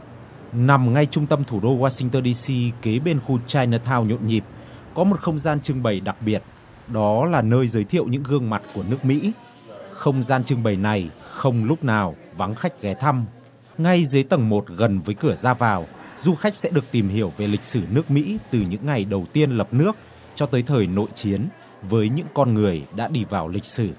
nằm ngay trung tâm thủ đô goa sinh tơn đi xi kế bên khu chai nơ thao nhộn nhịp có một không gian trưng bày đặc biệt đó là nơi giới thiệu những gương mặt của nước mỹ không gian trưng bày này không lúc nào vắng khách ghé thăm ngay dưới tầng một gần với cửa ra vào du khách sẽ được tìm hiểu về lịch sử nước mỹ từ những ngày đầu tiên lập nước cho tới thời nội chiến với những con người đã đi vào lịch sử